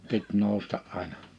piti nousta aina